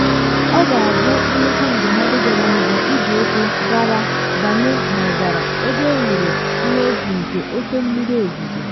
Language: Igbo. Ọ ga-abụ nnukwu ndụmọdụ jọrọ njọ iji ụkwụ gara banye n’ọzara ebe enwere ihe egwu nke oke mmiri ozizo.